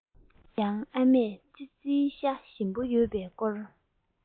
ཡང ཨ མས ཙི ཙིའི ཤ ཞིམ པོ ཡོད པའི སྐོར